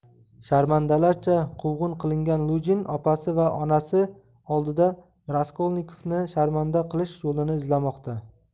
sharmandalarcha quvg'in qilingan lujin opasi va onasi oldida raskolnikovni sharmanda qilish yo'lini izlamoqda